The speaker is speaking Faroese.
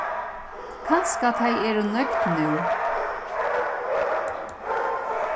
kanska tey eru nøgd nú